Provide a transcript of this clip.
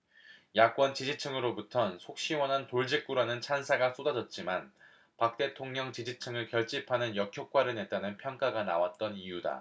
야권 지지층으로부턴 속시원한 돌직구라는 찬사가 쏟아졌지만 박 대통령 지지층을 결집하는 역효과를 냈다는 평가가 나왔던 이유다